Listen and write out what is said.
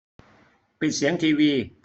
ปิดเสียงทีวี